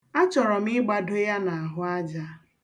A chọrọ m ịgbado ya n'ahụ aja.